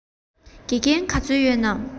དགེ རྒན ག ཚོད ཡོད ན